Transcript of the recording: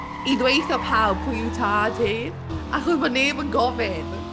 I ddweutho pawb pwy yw tad hi, achos mae neb yn gofyn.